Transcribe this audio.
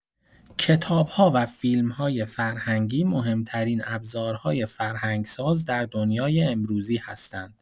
کتاب‌ها و فیلم‌های فرهنگی مهم‌ترین ابزارهای فرهنگ‌ساز در دنیای امروزی هستند.